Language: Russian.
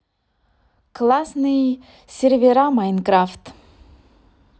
классный сервера minecraft